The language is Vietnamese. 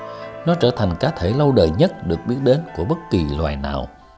nó trở thành cá thể lâu đời nhất được biết đến của bất kỳ loài nào